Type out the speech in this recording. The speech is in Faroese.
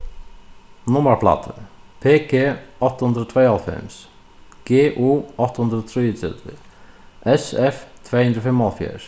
nummarplátur p g átta hundrað og tveyoghálvfems g u átta hundrað og trýogtretivu s f tvey hundrað og fimmoghálvfjerðs